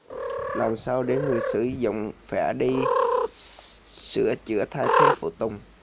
làm sao để người sử dụng phải đi sửa chữa thay thế phụ tùng